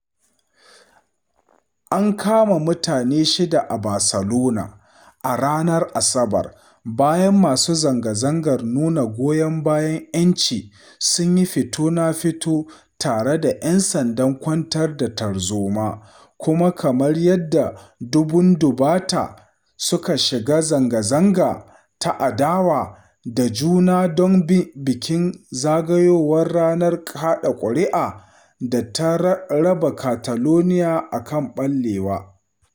An kama mutane shida a Barcelona a ranar Asabar bayan masu zanga-zangar nuna goyon bayan ‘yanci sun yi fito-na-fito tare da ‘yan sandan kwantar da tarzoma, kuma kamar yadda dubun-dubata suka shiga zanga-zanga ta adawa da juna don bikin zagayowar ranar kaɗa ƙuri’a da ta raba Catalonia a kan ɓallewa.